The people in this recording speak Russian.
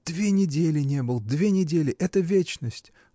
“Две недели не был, две недели — это вечность!